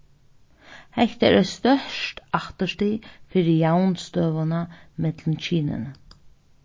tað er eitt stórt afturstig fyri javnstøðuna millum kynini